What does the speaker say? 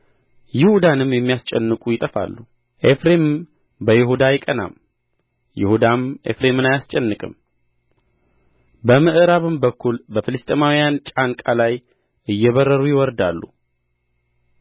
ይሁዳንም የሚያስጨንቁ ይጠፋሉ ኤፍሬምም በይሁዳ አይቀናም ይሁዳም ኤፍሬምን አያስጨንቅም በምዕራብም በኩል በፍልስጥኤማውያን ጫንቃ ላይ እየበረሩ ይወርዳሉ